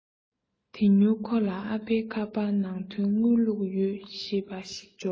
དེ མྱུར ཁོ ལ ཨ ཕའི ཁ པར ནང དོན དངུལ བླུག ཡོད ཞེས པ ཞིག འབྱོར